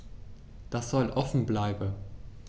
Das soll offen bleiben.